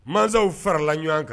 Masaw fara la ɲɔgɔn kan